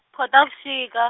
Khotavuxika.